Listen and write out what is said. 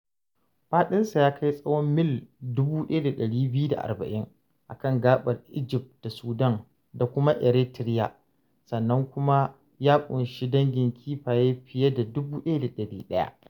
Faɗinsa ya kai tsawon mil 1,240 a kan gaɓar Egypt da Sudan da kuma Eritrea sannan kuma ya ƙunshi dangin kifi fiye da 1,100.